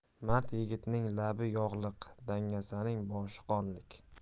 mard yigitning labi yog'liq dangasaning boshi qonlik